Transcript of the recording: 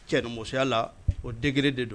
Cɛninmusoya la o degré de don